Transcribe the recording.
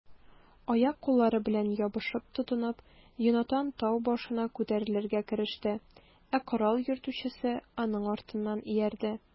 Аяк-куллары белән ябышып-тотынып, Йонатан тау башына күтәрелергә кереште, ә корал йөртүчесе аның артыннан иярде.